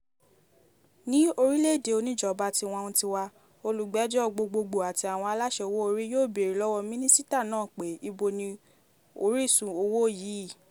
Ní orílẹ̀-èdè oníjọba tiwa-n-tiwa, olùgbẹ́jọ́ gbogboogbò àti àwọn aláṣẹ owó-orí yóò bèèrè lọ́wọ́ mínísítà náà pé íbo ni orísun owó yìí pic.twitter.com/98809Ef1kM